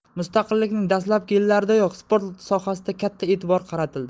mustaqillikning dastlabki yillaridayoq sport sohasiga katta e'tibor qaratildi